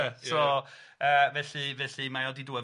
So yy felly felly mae o wedi dŵa.